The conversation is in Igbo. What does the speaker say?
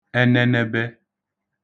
enenebe